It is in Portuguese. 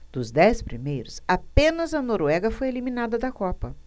dos dez primeiros apenas a noruega foi eliminada da copa